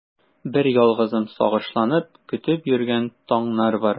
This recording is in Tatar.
Берьялгызым сагышланып көтеп йөргән таңнар бар.